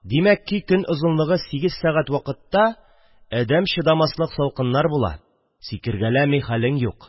Димәк ки, көн озынлыгы сигез сәгать вакытта әдәм чыдамаслык салкыннар була – сикергәләми хәлен юк